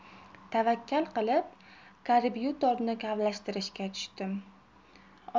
tavakkal qilib karbyuratorni kavlashtirishga tushdim